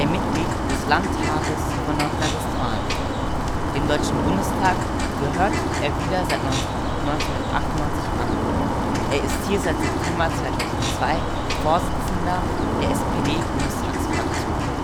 Mitglied des Landtages von Nordrhein-Westfalen. Dem Deutschen Bundestag gehört er wieder seit 1998 an. Er ist hier seit September 2002 Vorsitzender der SPD-Bundestagsfraktion